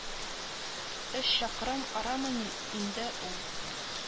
Өч чакрым арамыни инде ул